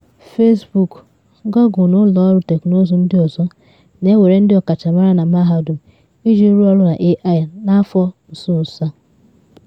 Facebook, Google na ụlọ ọrụ teknụzụ ndị ọzọ na ewere ndị ọkachamara na mahadum iji rụọ ọrụ na AI n’afọ nso nso a.